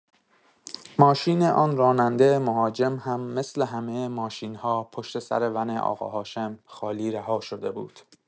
ماشین آن راننده مهاجم هم مثل همه ماشین‌ها پشت‌سر ون آقا هاشم، خالی رها شده بود.